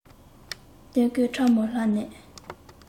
སྟོང སྐུད ཕྲ མོ བསླས ནས